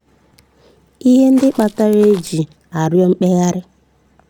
Ihe ndị kpatara e ji arịọ mkpegharị